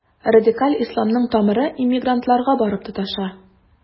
Радикаль исламның тамыры иммигрантларга барып тоташа.